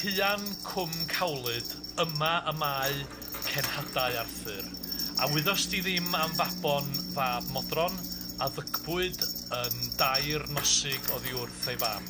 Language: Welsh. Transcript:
Cuan Cwm Cawlyd yma y mae cenhedau Arthur a wyddost di ddim am Fabon fab Modron, a ddycpwyd yn dair nosig oddi wrth ei fam.